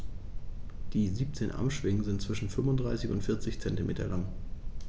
Die 17 Armschwingen sind zwischen 35 und 40 cm lang.